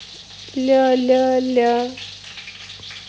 ля ля ля